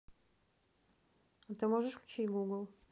а ты можешь включить гугл